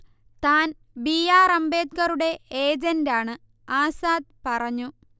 താൻ B. R. അംബേദ്കറുടെ ഏജന്റാണ് - ആസാദ് പറഞ്ഞു